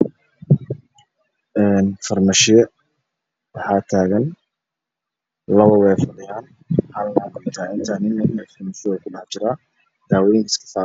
Meeshaan waa farmashiye labo way fadhiyaan, hal naagna way taagay tahay, nina dhinaca kale ayuu kujiraa iskifaalooyin waxaa saaran daawooyin.